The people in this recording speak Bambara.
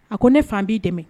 A ko ne fa n b'i dɛmɛ.